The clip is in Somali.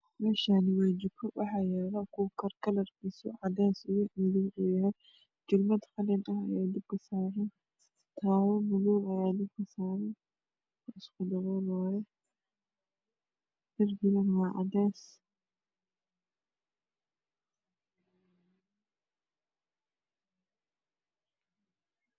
Halkaan waa jiko waxaa yaalo kuukar kalarkiisa cadays ah yahay madow yahay jalmad qalin ah ayaa dabka saaran taawo madow ayaa dabka saaran isku dabool waaye darbigana waa cadays.